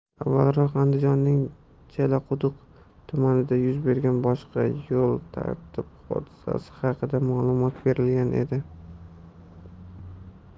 avvalroq andijonning jalaquduq tumanida yuz bergan boshqa yth haqida ma'lumot berilgan edi